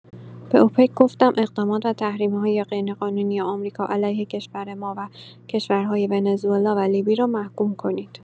به اوپک گفتم اقدامات و تحریم‌های غیرقانونی آمریکا علیه کشور ما و کشورهای ونزوئلا و لیبی را محکوم کنید.